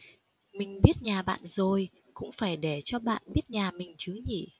mình biết nhà bạn rồi cũng phải để cho bạn biết nhà mình chứ nhỉ